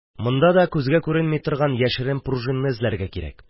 Монда да күзгә күренми торган яшерен пружинны эзләргә кирәк.